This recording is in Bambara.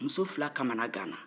muso kamana gana